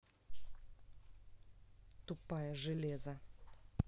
тупая железо